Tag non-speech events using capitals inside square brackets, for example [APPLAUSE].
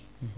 [HESITATION] [HESITATION]